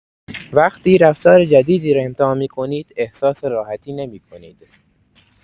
وقتی رفتار جدیدی را امتحان می‌کنید، احساس راحتی نمی‌کنید.